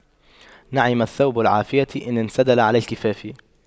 نعم الثوب العافية إذا انسدل على الكفاف